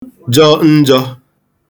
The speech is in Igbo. jọ njọ̄